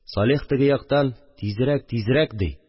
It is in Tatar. Салих теге яктан: «Тизрәк, тизрәк!» – ди